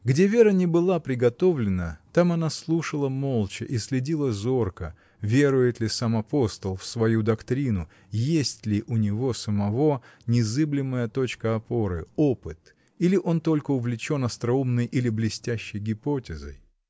Где Вера не была приготовлена, там она слушала молча и следила зорко — верует ли сам апостол в свою доктрину, есть ли у него самого незыблемая точка опоры, опыт, или он только увлечен остроумной или блестящей ипотезой.